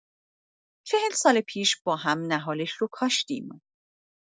چهل سال پیش با هم نهالش را کاشتیم.